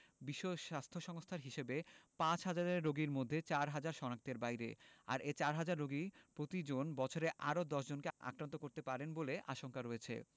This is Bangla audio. বিশ্ব স্বাস্থ্য সংস্থার হিসেবে পাঁচহাজার রোগীর মধ্যে চারহাজার শনাক্তের বাইরে আর এ চারহাজার রোগীর প্রতিজন বছরে আরও ১০ জনকে আক্রান্ত করতে পারেন বলে আশঙ্কা রয়েছে